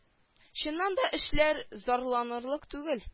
Чыннан да эшләр зарланырлык түгел